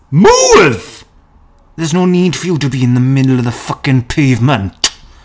Move! There's no need for you to be in the middle of the fucking pavement.